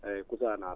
Kousanaar